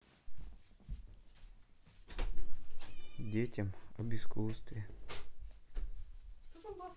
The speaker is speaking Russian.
детям об искусстве